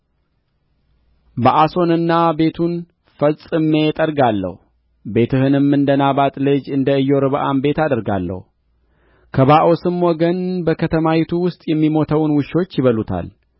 ባኦስንና ቤቱን ፈጽሜ እጠርጋለሁ ቤትህንም እንደ ናባጥ ልጅ እንደ ኢዮርብዓም ቤት አደርጋለሁ ከባኦስም ወገን በከተማይቱ ውስጥ የሚሞተውን ውሾች ይበሉታል